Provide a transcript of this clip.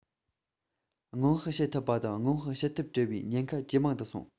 སྔོན དཔག བྱེད ཐུབ པ དང སྔོན དཔག བྱེད ཐབས བྲལ བའི ཉེན ཁ ཇེ མང དུ སོང